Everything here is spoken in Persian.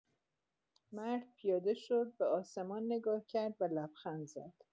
مرد پیاده شد، به آسمان نگاه کرد و لبخند زد.